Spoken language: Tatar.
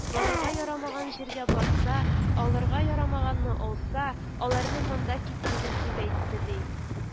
Барырга ярамаган җиргә барса, алырга ярамаганны алса, аларны монда китерегез, — дип әйтте, ди